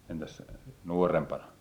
entäs nuorempana